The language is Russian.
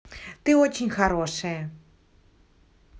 ты очень хорошая